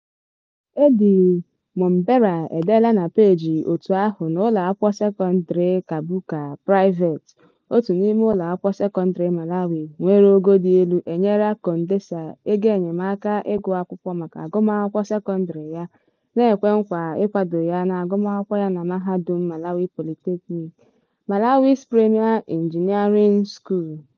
Eddie Mombera edeela na peeji òtù ahụ na ụlọakwụkwọ sekọndrị Kaphuka Private, otu n'ime ụlọakwụkwọ sekọndrị Malawi nwere ogo dị elu, enyela Kondesi, "egoenyemaaka iguakwụkwọ maka agụmakwụkwọ sekọndrị ya", na-ekwe nkwa ikwado ya n'agụmakwụkwọ ya na Mahadum Malawi's Polytechnic, Malawi's premier engineering school.